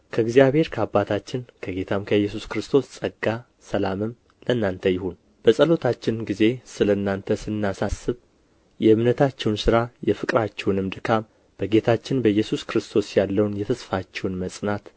ከእግዚአብሔር ከአባታችን ከጌታ ከኢየሱስ ክርስቶስም ጸጋ ሰላምም ለእናንተ ይሁን በጸሎታችን ጊዜ ስለ እናንተ ስናሳስብ የእምነታችሁን ስራ የፍቅራችሁንም ድካም በጌታችንም በኢየሱስ ክርስቶስ ያለውን የተስፋችሁን መጽናት